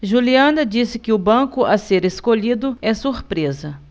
juliana disse que o banco a ser escolhido é surpresa